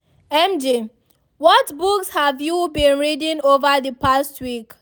MJ: What books have you been reading over the past week?